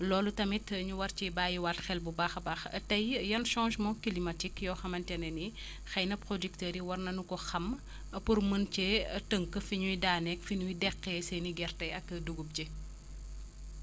loolu tamit ñu war ci bàyyiwaat xel bu baax a baax tey yan changement climatique yoo xamante ne ni xëy na producteur yi war nañu ko xam pour mën cee tënk fi ñuy daaneeg fi ñuy deqee seen i gerte ak dugub ji